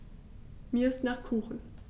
Mir ist nach Kuchen.